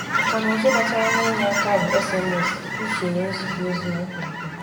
Nkà na ụzụ batara n'ịnye aka bụ SMS (Usoro Nzipụ Ozi na Mkpirikpi).